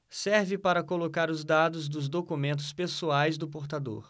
serve para colocar os dados dos documentos pessoais do portador